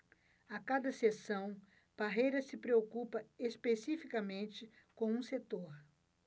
a cada sessão parreira se preocupa especificamente com um setor